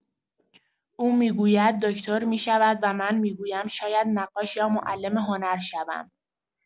او می‌گوید دکتر می‌شود و من می‌گویم شاید نقاش یا معلم هنر شوم.